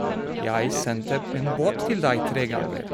Jeg sendte b en båt til deg tre ganger.